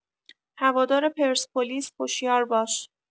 هوادار پرسپولیس هوشیار باش